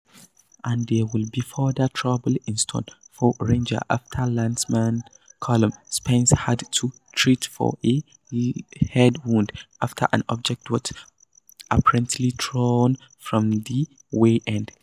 And there could be further trouble in store for Rangers after linesman Calum Spence had to be treated for a head wound after an object was apparently thrown from the away end.